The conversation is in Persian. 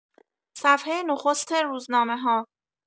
صفحه نخست روزنامه‌ها